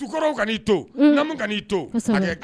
Sukɔrɔw kana'i to kan'i to